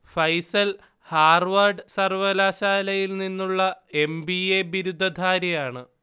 Faisal Harvard സർവകലാശാലയിൽ നിന്നുള്ള M. B. A. ബിരുദധാരിയാണ്